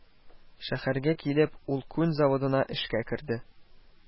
Шәһәргә килеп, ул күн заводына эшкә керде